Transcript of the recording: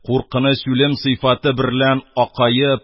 Куркыныч үлем сыйфаты берлән акаеп,